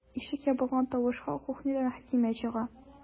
Ишек ябылган тавышка кухнядан Хәтимә чыга.